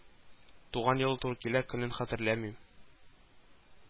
Туган елы туры килә, көнен хәтерләмим